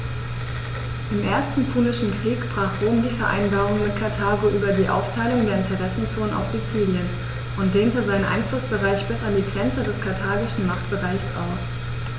Im Ersten Punischen Krieg brach Rom die Vereinbarung mit Karthago über die Aufteilung der Interessenzonen auf Sizilien und dehnte seinen Einflussbereich bis an die Grenze des karthagischen Machtbereichs aus.